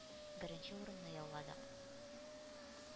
Беренче урынны яуладык!